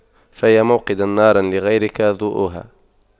فيا موقدا نارا لغيرك ضوؤها